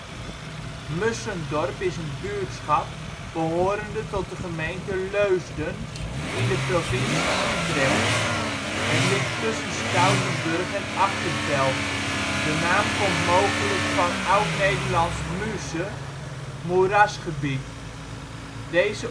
buurtschap behorende tot de gemeente Leusden, in de provincie Utrecht. Het ligt tussen Stoutenburg en Achterveld. De naam komt mogelijk van Oudnederlands mûse, moerasgebied. Noten ↑ Berkel en Samplonius: Het Plaatsnamenboek, Unieboek Houten, 1989, ISBN 90 269 4321 0 Plaatsen in de gemeente Leusden Dorpen: Achterveld · Leusden · Leusden-Zuid · Stoutenburg Buurtschappen: Asschat · Den Treek · De Ruif · Jannendorp · Moorst · Musschendorp · Oud-Leusden · Snorrenhoef Utrecht · Plaatsen in de provincie Nederland · Provincies · Gemeenten 52° 08